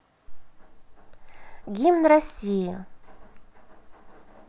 гимн россии